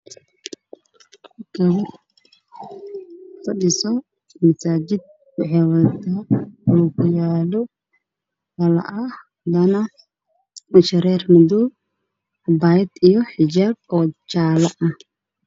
Waa masaajid waxaa fadhiya gabdho wataan Indho shared